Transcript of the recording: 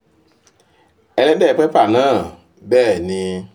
""Peppa the pig," bẹ́ẹ̀ni."